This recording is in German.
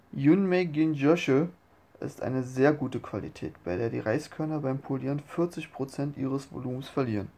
Junmai Ginjō-shu (純米吟醸酒) und Ginjō-shu (吟醸酒, mit Zugabe von Alkohol) ist eine sehr gute Qualität, bei der die Reiskörner beim Polieren 40 % ihres Volumens verlieren